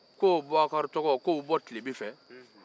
ko bubakari tɔgɔ k'o bɛ bɔ tilebin fɛ